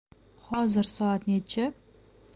hozir soat nechi